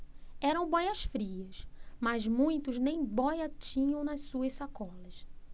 eram bóias-frias mas muitos nem bóia tinham nas suas sacolas